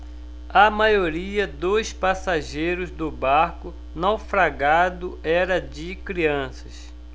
a maioria dos passageiros do barco naufragado era de crianças